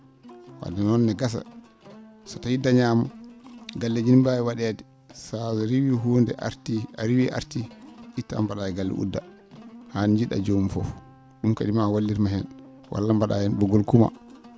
wadde noon ne gasa so tawii dañaama galleeji no mbaawi wa?eede so a riiwii huunde artii a riiwii artii ittaa mba?aa e galle uddaa haa nde njii?aa joomum fof ?um kadi ma wallit ma heen walla mba?aa heen ?oggol kumaa